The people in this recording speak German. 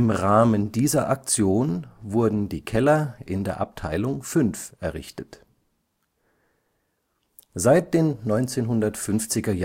Rahmen dieser Aktion wurden die Keller in der Abteilung V errichtet. Seit den 1950er Jahren